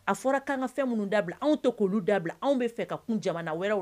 A fɔra' kan ka fɛn minnu dabila anw to'olu dabila anw bɛ fɛ ka kun jamana wɛrɛ wa